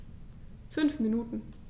5 Minuten